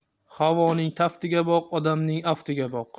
havoning taftiga boq odamning aftiga boq